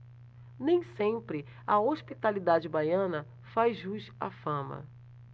nem sempre a hospitalidade baiana faz jus à fama